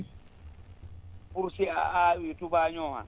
pour si a aawii tubaañoo maa